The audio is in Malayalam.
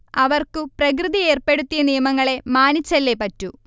അവർക്കു പ്രകൃതി ഏർപ്പെടുത്തിയ നിയമങ്ങളെ മാനിച്ചല്ലേ പറ്റൂ